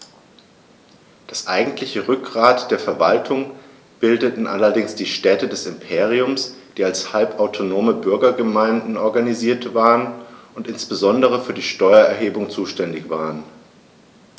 Das eigentliche Rückgrat der Verwaltung bildeten allerdings die Städte des Imperiums, die als halbautonome Bürgergemeinden organisiert waren und insbesondere für die Steuererhebung zuständig waren.